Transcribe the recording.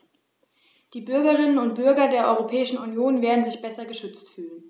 Die Bürgerinnen und Bürger der Europäischen Union werden sich besser geschützt fühlen.